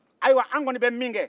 ayiwa an kɔnin bɛ min kɛ